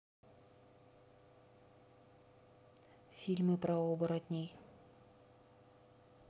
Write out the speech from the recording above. фильмы про оборотней